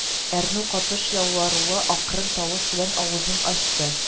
Әрнү катыш ялварулы акрын тавыш белән авызын ачты